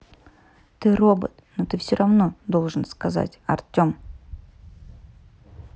ты робот но ты все равно должен сказать артем